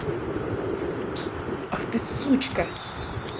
ах ты сучка